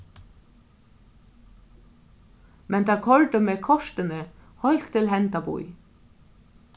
men teir koyrdu meg kortini heilt til henda bý